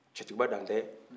tiɲɛtigiba dante